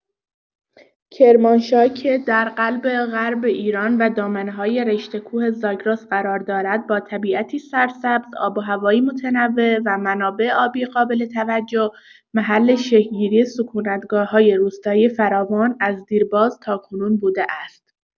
کرمانشاه که در قلب غرب ایران و دامنه‌های رشته‌کوه زاگرس قرار دارد، با طبیعتی سرسبز، آب‌وهوایی متنوع و منابع آبی قابل‌توجه، محل شکل‌گیری سکونتگاه‌های روستایی فراوان از دیرباز تاکنون بوده است.